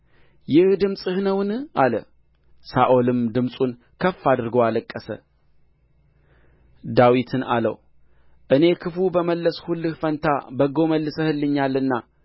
ይህ ድምፅህ ነውን አለ ሳኦልም ድምፁን ከፍ አድርጎ አለቀሰ ዳዊትን አለው እኔ ክፉ በመለስሁልህ ፋንታ በጎ መልሰህልኛልና